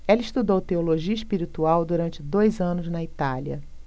ela estudou teologia espiritual durante dois anos na itália